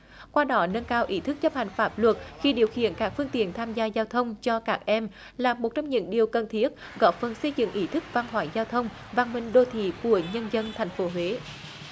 qua đó nâng cao ý thức chấp hành pháp luật khi điều khiển các phương tiện tham gia giao thông cho các em là một trong những điều cần thiết góp phần xây dựng ý thức văn hóa giao thông văn minh đô thị của nhân dân thành phố huế